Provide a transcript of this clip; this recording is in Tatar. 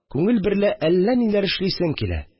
Күңел берлә әллә ниләр эшлисем килә